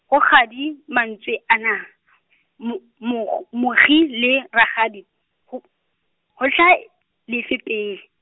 ho kgadi mantswe ana , mo- mokg-, mokgi, le rakgadi, ho, ho hla- , lefe pele?